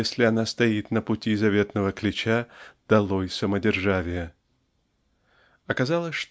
если она стоит на пути заветного клича "долой самодержавие". Оказалось